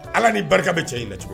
Ala ni barika bɛ cɛ in na cogo